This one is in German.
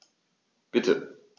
Bitte.